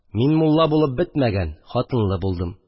Мин – мулла булып бетмәгән, хатынлы булдым